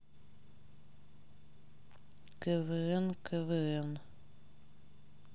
квн квн